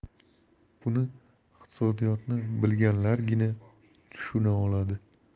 buni iqtisodiyotni bilganlargina tushuna oladi